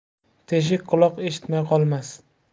teshik quloq eshitmay qolmas